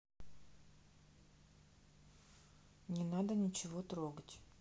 не надо ничего трогать